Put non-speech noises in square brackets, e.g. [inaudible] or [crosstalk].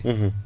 [hesitation] [hesitation]